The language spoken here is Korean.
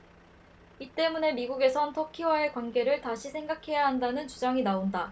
이 때문에 미국에선 터키와의 관계를 다시 생각해야 한다는 주장이 나온다